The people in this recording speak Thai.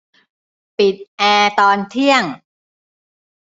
ปิดแอร์ตอนเที่ยง